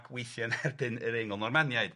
ac weithie 'n erbyn yr Eingl Normaniaid. Ia.